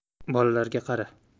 bolalarga qara